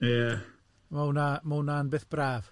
...ma' hwnna ma' hwnna'n beth braf.